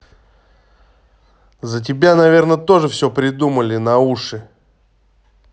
за тебя наверное тоже все придумали на уши